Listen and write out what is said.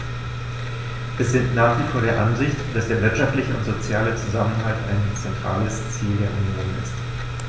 Wir sind nach wie vor der Ansicht, dass der wirtschaftliche und soziale Zusammenhalt ein zentrales Ziel der Union ist.